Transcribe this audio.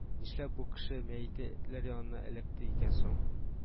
Нишләп бу кеше мәете этләр янына эләкте икән соң